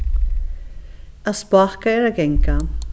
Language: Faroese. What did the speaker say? at spáka er at ganga